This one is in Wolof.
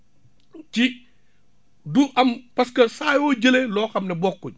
ci du am parce que saa yoo jëlee loo xam ne bokkuñ